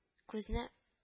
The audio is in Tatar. Күзенә